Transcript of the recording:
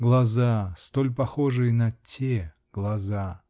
глаза, столь похожие на те глаза!